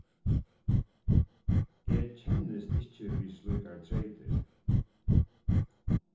eg kennist ikki við slíkar treytir